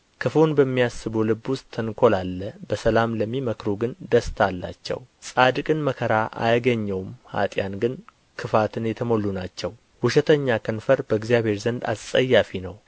ክፉን በሚያስቡ ልብ ውስጥ ተንኰል አለ በሰላም ለሚመክሩ ግን ደስታ አላቸው ጻድቅን መከራ አያገኘውም ኀጥኣን ግን ክፋትን የተሞሉ ናቸው ውሸተኛ ከንፈር በእግዚአብሔር ዘንድ አሰጸያፊ ነው